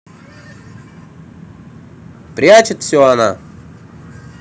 прячет все она